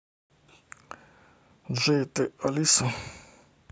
джой ты алиса